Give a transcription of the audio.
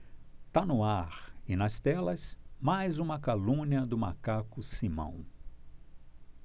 tá no ar e nas telas mais uma calúnia do macaco simão